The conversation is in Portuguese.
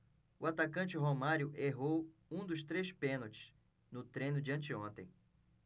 o atacante romário errou um dos três pênaltis no treino de anteontem